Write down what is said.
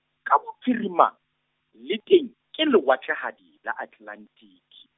ka bophirima, le teng, ke lewatlehadi, la Atlelantiki.